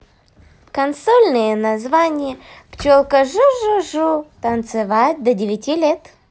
консольные название пчелка жужужу танцевать до девяти лет